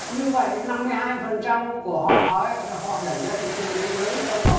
như vậy năm mươi hai phần trăm của họ để họ đẩy ra thị trường thế giới trong vòng